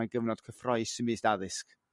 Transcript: mae'n gyfnod cyffrous ymist addysg.